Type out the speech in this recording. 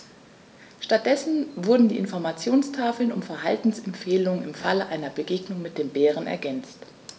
Stattdessen wurden die Informationstafeln um Verhaltensempfehlungen im Falle einer Begegnung mit dem Bären ergänzt.